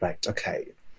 reit ocay